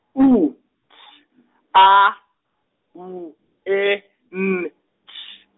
U, T, A, W, E, N, T.